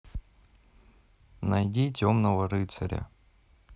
найди темного рыцаря